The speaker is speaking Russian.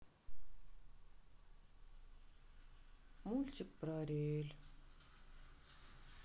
мультик про ариэль